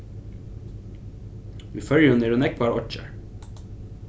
í føroyum eru nógvar oyggjar